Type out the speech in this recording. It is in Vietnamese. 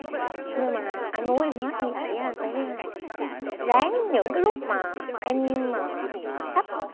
nhưng mà anh muốn em hết vậy anh phải ráng những cái lúc mà em mà thấp